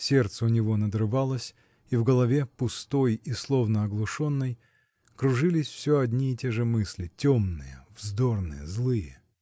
Сердце у него надрывалось, и в голове, пустой и словно оглушенной, кружились все одни и те же мысли, темные, вздорные, злые.